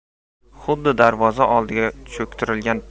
xuddi darvoza oldiga cho'ktirilgan